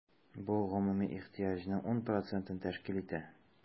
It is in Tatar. Бу гомуми ихтыяҗның 10 процентын тәшкил итә.